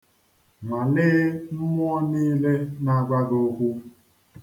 Nwalee mmụọ niile na-agwa gị okwu.